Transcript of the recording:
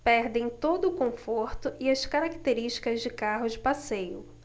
perdem todo o conforto e as características de carro de passeio